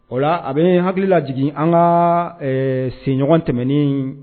O la a bɛ hakili la jigin an ka senɲɔgɔn tɛmɛnen